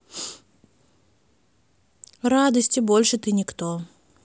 радости больше ты никто